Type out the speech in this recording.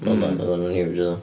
Oedd oeddan nhw'n huge oeddan.